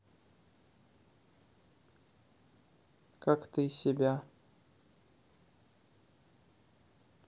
как ты себя